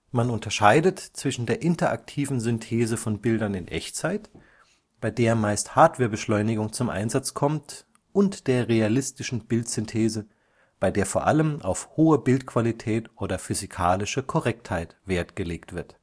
Man unterscheidet zwischen der interaktiven Synthese von Bildern in Echtzeit, bei der meist Hardwarebeschleunigung zum Einsatz kommt, und der realistischen Bildsynthese, bei der vor allem auf hohe Bildqualität oder physikalische Korrektheit Wert gelegt wird